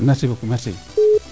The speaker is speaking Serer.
merci beaucoup merci